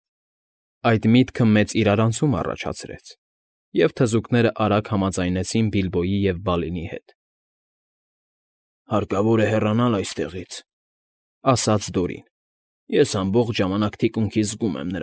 Այդ միտքը մեծ իրարանցում առաջացրեց, և թզուկներն արագ համաձայնեցին Բիլբոյի ու Բալինի հետ։ ֊ Հարկավոր է հեռանալ այստեղից,֊ ասաց Դորին։֊ Ես ամբողջ ժամանակ թիկունքիս զգում եմ։